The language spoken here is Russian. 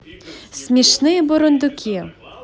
смешные бурундуки